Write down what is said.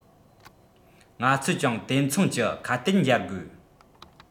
ང ཚོས ཀྱང དེ མཚུངས ཀྱི ཁ གཏད འཇལ དགོས